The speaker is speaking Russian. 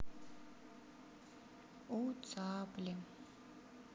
у цапли